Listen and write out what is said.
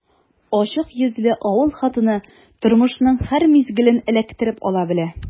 Ачык йөзле авыл хатыны тормышның һәр мизгелен эләктереп ала белә.